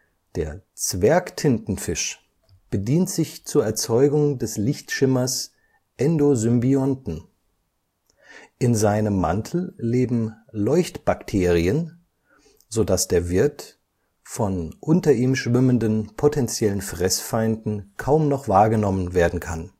Der Zwergtintenfisch Euprymna scolopes bedient sich zur Erzeugung des Lichtschimmers Endosymbionten: In seinem Mantel leben Leuchtbakterien, so dass der Wirt – von unter ihm schwimmenden potentiellen Fressfeinden – kaum noch wahrgenommen werden kann